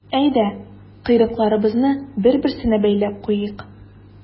Әйдә, койрыкларыбызны бер-берсенә бәйләп куйыйк.